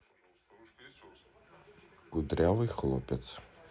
кудрявый хлопец